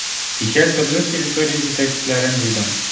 Кичә төрле территория җитәкчеләрен җыйдым.